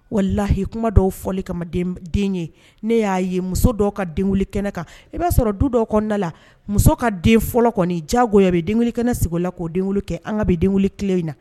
Wala lahi kuma dɔw fɔli kama den ye ne y'a ye muso dɔw ka den kɛnɛ kan i b'a sɔrɔ du dɔ kɔnɔnada la muso ka den fɔlɔ kɔni jago bɛ den kɛnɛ sigi la k'o den kɛ an ka bɛ den ki in na